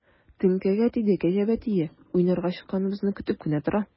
Теңкәгә тиде кәҗә бәтие, уйнарга чыкканыбызны көтеп кенә тора.